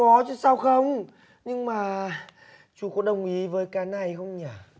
có chứ sao không nhưng mà chú có đồng ý với cái này hông nhở